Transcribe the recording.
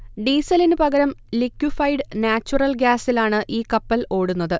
ഡീസലിന് പകരം liquefied natural ഗ്യാസിലാണ് ഈ കപ്പൽ ഓടുന്നത്